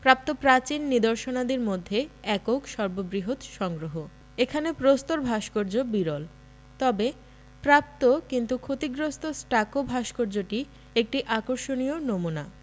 প্রাপ্ত প্রাচীন নিদর্শনাদির মধ্যে একক সর্ববৃহৎ সংগ্রহ এখানে প্রস্তর ভাস্কর্য বিরল তবে প্রাপ্ত কিন্তু ক্ষতিগ্রস্ত স্টাকো ভাস্কর্যটি একটি আকর্ষণীয় নমুনা